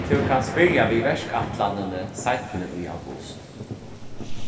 tú kanst byrja við verkætlanini seinni í august